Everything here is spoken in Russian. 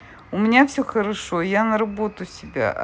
у меня все хорошо я на работу себя а ты